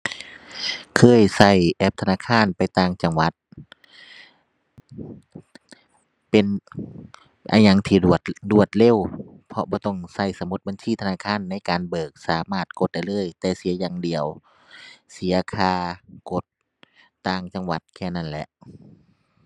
เคยใช้แอปธนาคารไปต่างจังหวัด เป็นอะหยังที่รวด รวดเร็ว เพราะบ่ต้องใช้สมุดบัญชีธนาคารในการเบิก สามารถกดได้เลย แต่เสียอย่างเดียว เสียค่ากดต่างจังหวัดแค่นั้นแหละ